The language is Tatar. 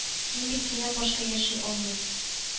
Мин бит синнән башка яши алмыйм